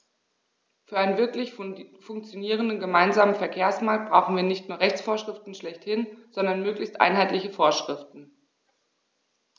Für einen wirklich funktionierenden gemeinsamen Verkehrsmarkt brauchen wir nicht nur Rechtsvorschriften schlechthin, sondern möglichst einheitliche Vorschriften.